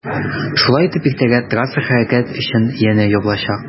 Шулай итеп иртәгә трасса хәрәкәт өчен янә ябылачак.